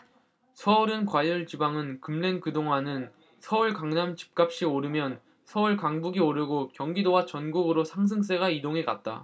서울은 과열 지방은 급랭그동안은 서울 강남 집값이 오르면 서울 강북이 오르고 경기도와 전국으로 상승세가 이동해갔다